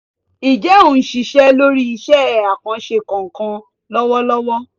Ǹjẹ́ ò ń ṣiṣẹ́ lórí iṣẹ́ àkànṣe kankan lọ́wọ́lọ́wọ́?